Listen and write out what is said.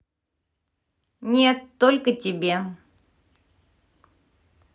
нет только тебе